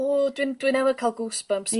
O dwi'n dwi newydd ca'l goose bumps...